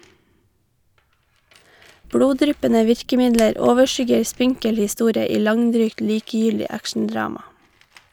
Bloddryppende virkemidler overskygger spinkel historie i langdrygt, likegyldig actiondrama.